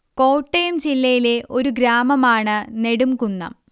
കോട്ടയം ജില്ലയിലെ ഒരു ഗ്രാമമാണ് നെടുംകുന്നം